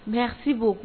Nka si'